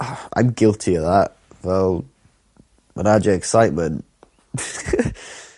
i'm guilty o that. Fel ma'n adio excitement.